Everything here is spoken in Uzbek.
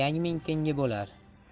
yangming tengi bo'lar